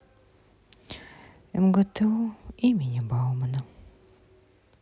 мгту имени баумана